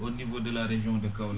au niveau de la région de Kaolack